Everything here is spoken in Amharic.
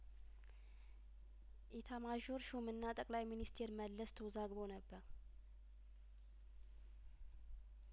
ኢታማዦር ሹምና ጠቅላይ ሚኒስትር መለስ ተወዛግበው ነበር